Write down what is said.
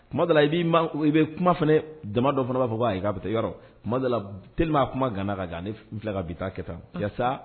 Kuma dala la i b' i bɛ kuma fana jamadɔ fana fɔ ye k'a bɛ taa yɔrɔ kumada teli kuma ganana ka gan ne fila ka bi taa kɛ tan yaasa